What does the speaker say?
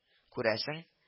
Күрәсең